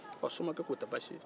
somakɛ k'o baasi tɛ ye